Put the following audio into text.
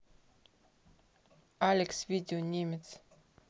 алекс видео немец